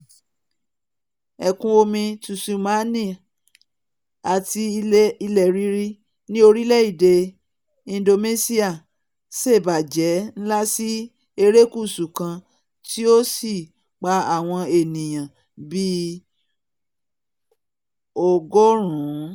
Ẹ̀kún omi Tsunami àti Ilẹ̀ rírì ni orílẹ̀-èdè Indonesia ṣèbàjẹ́ ńlá si erékùsù kan, ti ó sí pa àwọn ènìyàn bíi Ọgọ́ọ̀rún